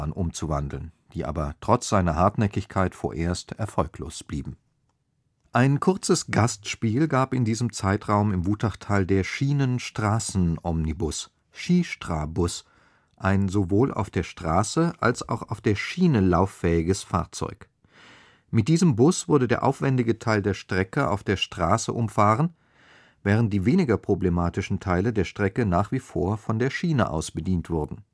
umzuwandeln, die aber trotz seiner Hartnäckigkeit vorerst erfolglos blieben. Schi-Stra-Bus, restauriert, von Mai 1953 bis November 1955 auf der Wutachbahn im Einsatz Ein kurzes Gastspiel gab in diesem Zeitraum im Wutachtal der Schienen-Straßen-Omnibus (Schi-Stra-Bus), ein sowohl auf der Straße als auch auf der Schiene lauffähiges Fahrzeug. Mit diesem Bus wurde der aufwändige Teil der Strecke auf der Straße umfahren, während die weniger problematischen Teile der Strecke nach wie vor von der Schiene aus bedient wurden